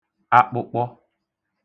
akpụkpọ